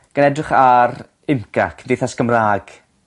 gan edrych ar UMCA Cymdeithas Cymra'g